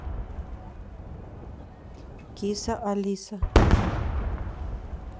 киса алиса